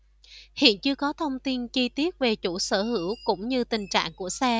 hiện chưa có thông tin chi tiết về chủ sở hữu cũng như tình trạng của xe